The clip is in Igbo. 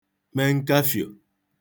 mè ǹkàfiò